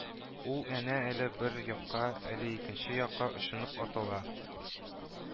Ул, әнә, әле бер якка, әле икенче якка очынып атыла